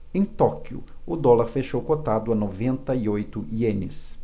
em tóquio o dólar fechou cotado a noventa e oito ienes